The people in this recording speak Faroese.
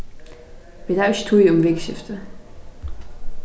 vit hava ikki tíð um vikuskiftið